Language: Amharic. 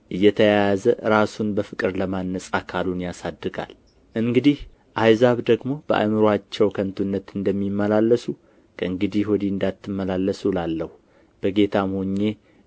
እየተያያዘ ራሱን በፍቅር ለማነጽ አካሉን ያሳድጋል እንግዲህ አሕዛብ ደግሞ በአእምሮአቸው ከንቱነት እንደሚመላለሱ ከእንግዲህ ወዲህ እንዳትመላለሱ እላለሁ በጌታም ሆኜ